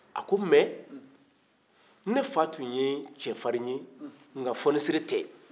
ko mɛ ne fa tun ye cɛfarin ye nka fɔnisere tɛ